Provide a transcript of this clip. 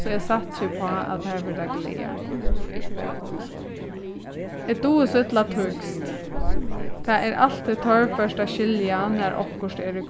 so eg satsi upp á at tær verða glaðar eg dugi so illa týskt tað er altíð torført at skilja nær okkurt er í